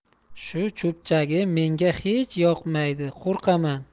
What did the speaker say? shu cho'pchagi menga hech yoqmaydi qo'rqaman